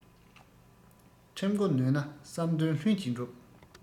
ཁྲིམས འགོ ནོན ན བསམ དོན ལྷུན གྱིས འགྲུབ